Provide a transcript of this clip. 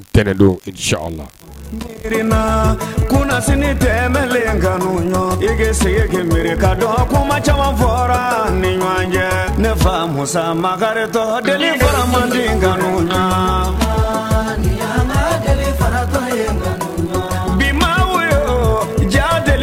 Mi kunsi ni den le kanu i ka segin kɛ dɔn kuma caman fɔra ni ɲɔgɔn ye ne famu makariretɔ deli fa man kanuba deli fa ye bi ja